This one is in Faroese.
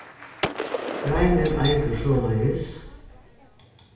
greinin eitur soleiðis